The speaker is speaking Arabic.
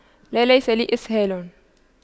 لا ليس لي إسهال